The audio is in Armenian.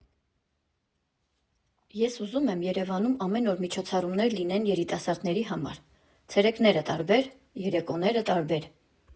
Ես ուզում եմ Երևանում ամեն օր միջոցառումներ լինեն երիտասարդների համար՝ ցերեկները՝ տարբեր, երեկոները՝ տարբեր։